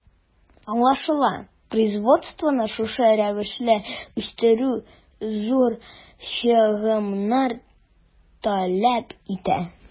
Аңлашыла, производствоны шушы рәвешле үстерү зур чыгымнар таләп итә.